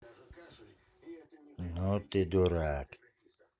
ну ты дурак